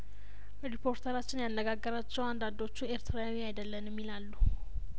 ሪፖርተራችን ያነጋገራቸው አንዳንዶቹ ኤርትራዊ አይደለንም ይላሉ